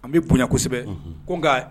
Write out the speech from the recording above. An bɛ bonya kosɛbɛ , unhun, ko nka